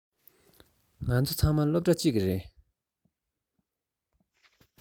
ང ཚོ ཚང མ སློབ གྲྭ གཅིག གི རེད